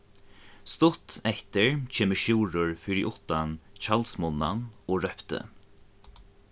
stutt eftir kemur sjúrður fyri uttan tjaldsmunnan og rópti